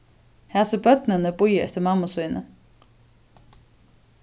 hasi børnini bíða eftir mammu síni